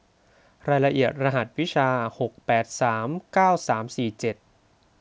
รายละเอียดรหัสวิชาหกแปดสามเก้าสามสี่เจ็ด